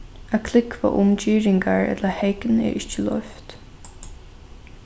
at klúgva um girðingar ella hegn er ikki loyvt